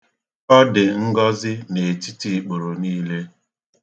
Ọ dị ngọzị n'etiti ikporo niile.